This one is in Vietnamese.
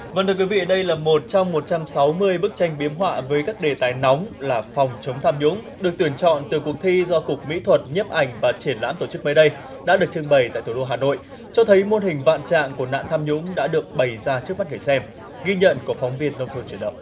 vâng thưa quý vị đây là một trong một trăm sáu mươi bức tranh biếm họa với các đề tài nóng là phòng chống tham nhũng được tuyển chọn từ cuộc thi do cục mỹ thuật nhiếp ảnh và triển lãm tổ chức mới đây đã được trưng bày tại thủ đô hà nội cho thấy muôn hình vạn trạng của nạn tham nhũng đã được bày ra trước mắt người xem ghi nhận của phóng viên nông thôn chuyển động